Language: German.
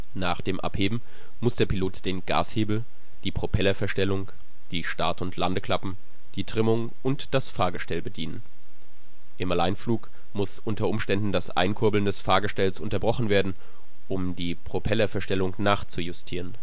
Nach dem Abheben muss der Pilot den Gashebel, die Propellerverstellung, die Start/Landeklappen, die Trimmung und das Fahrgestell bedienen. Im Alleinflug muss unter Umständen das Einkurbeln des Fahrgestells unterbrochen werden, um die Propellerverstellung nachzujustieren